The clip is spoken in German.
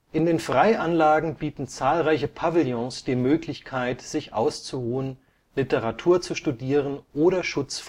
In den Freianlagen bieten zahlreiche Pavillons die Möglichkeit sich auszuruhen, Literatur zu studieren oder Schutz